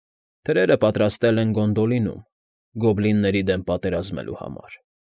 Թրերը պատրաստվել են Գոնդոլինում, գոբիլնների դեմ պատերազմելու համար։